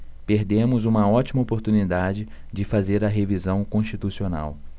perdemos uma ótima oportunidade de fazer a revisão constitucional